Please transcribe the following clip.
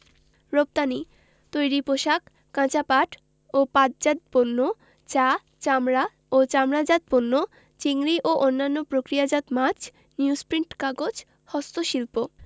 রপ্তানিঃ তৈরি পোশাক কাঁচা পাট ও পাটজাত পণ্য চা চামড়া ও চামড়াজাত পণ্য চিংড়ি ও অন্যান্য প্রক্রিয়াজাত মাছ নিউজপ্রিন্ট কাগজ হস্তশিল্প